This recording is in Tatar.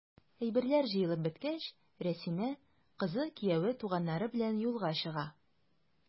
Әйберләр җыелып беткәч, Рәсимә, кызы, кияве, туганнары белән юлга чыга.